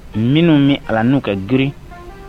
Minnu bɛ ala n'u kɛ grin